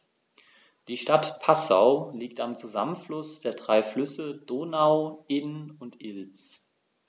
Die Stadt Passau liegt am Zusammenfluss der drei Flüsse Donau, Inn und Ilz.